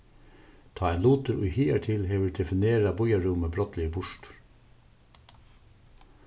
tá ein lutur ið higartil hevur definerað býarrúmið brádliga er burtur